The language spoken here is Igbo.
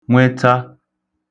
nweta